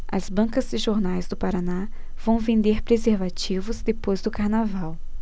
as bancas de jornais do paraná vão vender preservativos depois do carnaval